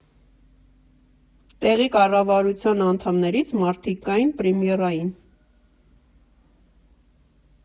Տեղի կառավարության անդամներից մարդիկ կային պրեմիերային։